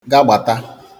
gagbatà